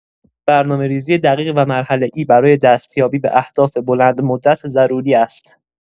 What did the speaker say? برنامه‌ریزی دقیق و مرحله‌ای برای دستیابی به اهداف بلندمدت ضروری است.